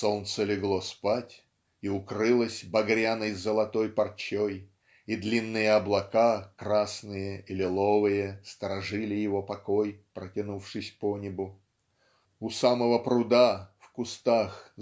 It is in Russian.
"Солнце легло спать и укрылось багряной золотой парчой и длинные облака красные и лиловые сторожили его покой протянувшись по небу. У самого пруда в кустах